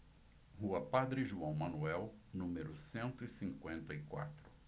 rua padre joão manuel número cento e cinquenta e quatro